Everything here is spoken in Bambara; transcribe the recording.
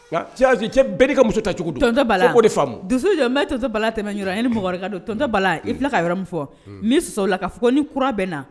Cɛ ka muso cogo jɔ mɛtɔ bala tɛmɛ i ni dontɔ bala i ka yɛrɛ min fɔ la ka fɔ ni kura bɛ na